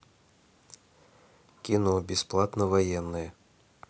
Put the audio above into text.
кино бесплатно военное